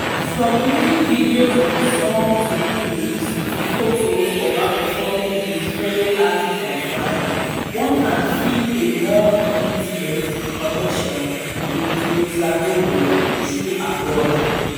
From music videos of her songs to lyrics to photos of her performing with fellow artists and fans, one can feel a more intimate connection with Nyota Ndogo through her blog.